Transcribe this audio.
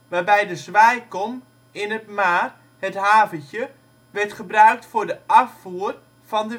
waarbij de zwaaikom in het maar (het haventje) werd gebruikt voor de afvoer van